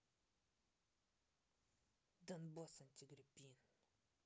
донбасс антигрипин